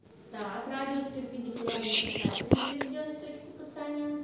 включи леди баг